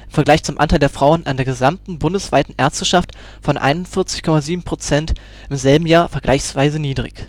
Vergleich zum Anteil der Frauen an der gesamten bundesweiten Ärzteschaft von 41,7 % im selben Jahr vergleichsweise niedrig